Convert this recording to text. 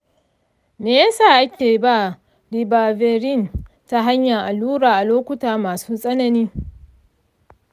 me ya sa ake ba ribavirin ta hanyar allura a lokuta masu tsanani?